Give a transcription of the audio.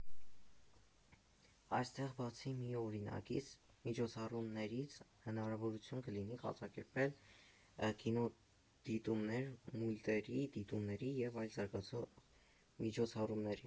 Այստեղ, բացի միօրինակ միջոցառումներից, հնարավորություն կլինի կազմակերպել կինոդիտումներ, մուլտերի դիտումներ և այլ զարգացնող միջոցառումներ։